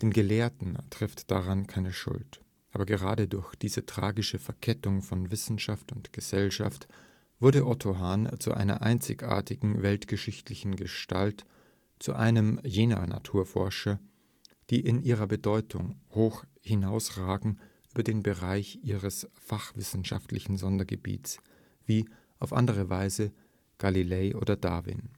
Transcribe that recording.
Gelehrten trifft daran keine Schuld. Aber gerade durch diese tragische Verkettung von Wissenschaft und Gesellschaft wurde Otto Hahn zu einer einzigartigen weltgeschichtlichen Gestalt, zu einem jener Naturforscher, die in ihrer Bedeutung hoch hinausragen über den Bereich ihres fachwissenschaftlichen Sondergebietes, wie – auf andere Weise – Galilei oder Darwin